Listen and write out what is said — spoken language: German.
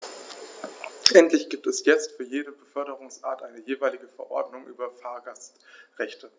Endlich gibt es jetzt für jede Beförderungsart eine jeweilige Verordnung über Fahrgastrechte.